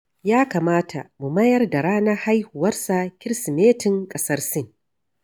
Ya kamata mu mayar da ranar haihuwarsa Kirsimetin ƙasar Sin.